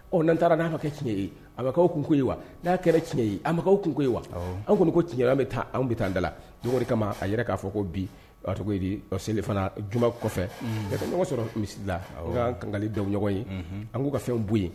Ɔ'an taara n'a ka kɛ tiɲɛ ye akaw kun ko ye wa n'a kɛra tiɲɛ ye ami ma kun ko ye wa anw kɔni ko tiɲɛ an bɛ taa anw bɛ taa da la ɲɔgɔn kama a yɛrɛ k'a fɔ ko bi selifana juma kɔfɛ ka ɲɔgɔn sɔrɔ misi ka kan dɔw ɲɔgɔn ye an k'u ka fɛn bonya yen